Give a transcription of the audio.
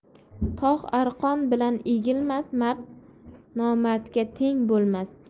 tog' arqon bilan egilmas mard nomardga teng bo'lmas